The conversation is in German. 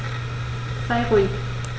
Sei ruhig.